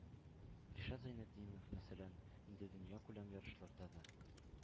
Ришат Зәйнетдинов, мәсәлән, инде дөньякүләм ярышларда да